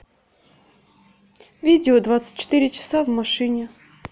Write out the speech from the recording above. видео двадцать четыре часа в машине